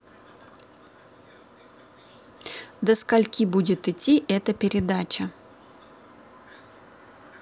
до скольки будет идти эта передача